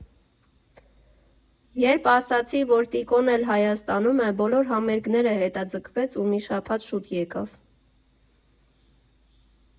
Երբ ասացի, որ Տիկոն էլ Հայաստանում է, բոլոր համերգները հետաձգեց ու մի շաբաթ շուտ եկավ։